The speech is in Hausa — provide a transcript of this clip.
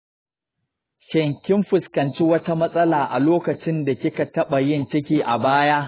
shin kin fuskanci wata matsala a lokacin da kika taɓa yin ciki a baya?